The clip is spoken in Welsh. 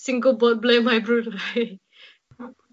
sy'n gwbod ble mae Brunei,